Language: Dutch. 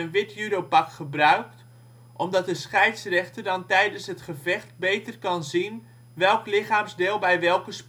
wit judopak gebruikt omdat de scheidsrechter dan tijdens het gevecht beter kan zien welk lichaamsdeel bij welke